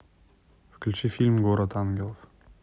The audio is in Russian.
включи фильм город ангелов